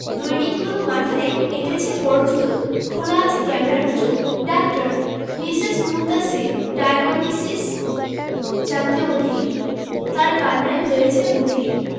দৈনিকগুলো মাথায় এঁটেছে পরচুলো খোলা আছে ক্যামেরার চোখ ডাক্তার মিসেস মুনতাসীর ডায়োগনসিস জানতে অধীর তার কান্নায় হয়েছি বধির